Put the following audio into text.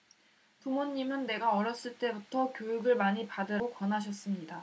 부모님은 내가 어렸을 때부터 교육을 많이 받으라고 권하셨습니다